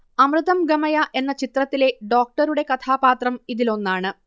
അമൃതം ഗമയ എന്ന ചിത്രത്തിലെ ഡോക്ടറുടെ കഥാപാത്രം ഇതിലൊന്നാണ്